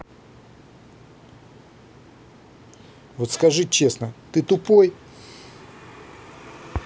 вот скажи честно ты тупой